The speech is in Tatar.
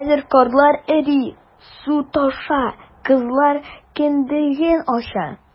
Хәзер карлар эри, су таша - кызлар кендеген ача...